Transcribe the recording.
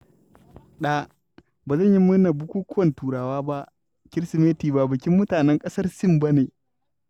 ɗa: Ba zan yi murnar bukukuwan Turawa ba, Kirsimeti ba bikin mutanen ƙasar Sin ba ne.